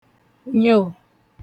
nyò